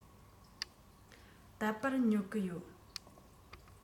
རྟག པར ཉོ གི ཡོད